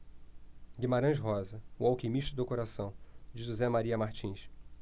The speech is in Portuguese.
guimarães rosa o alquimista do coração de josé maria martins